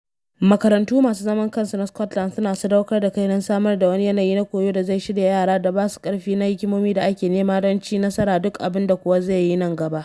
Makarantu masu zaman kansu na Scotland suna sadaukar da kai don samar da wani yanayi na koyo da zai shirya yara da ba su karfi na hikimomi da ake nema don ci nasara, duk abin da kuwa zai nan gaba.